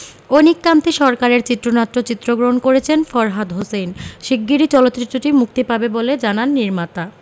অনিক কান্তি সরকারের চিত্রনাট্যে চিত্রগ্রহণ করেছেন ফরহাদ হোসেন শিগগিরই চলচ্চিত্রটি মুক্তি পাবে বলে জানান নির্মাতা